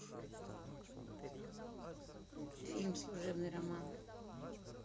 фильм служебный роман